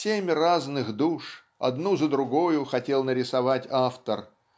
семь разных душ одну за другою хотел нарисовать автор